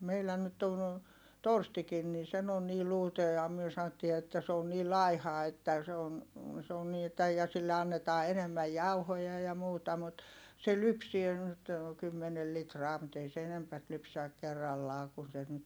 meillä nyt on Torstikin niin sen on niin luuta ja me sanottiin että se on niin laiha että se on se on niin että ja sille annetaan enemmän jauhoja ja muuta mutta se lypsää nyt kymmenen litraa mutta ei se enempää lypsä kerrallaan kun sen nyt